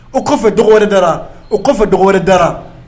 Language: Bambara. O dɔgɔ wɛrɛ taara o dɔgɔ taara